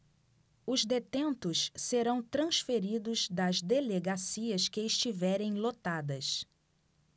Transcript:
os detentos serão transferidos das delegacias que estiverem lotadas